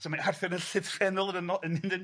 So mae Arthur yn llythrennol yr yno- yn mynd yn